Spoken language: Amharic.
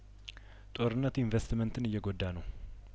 ጦርነቱ ኢንቨስትመንትን እየጐዳ ነው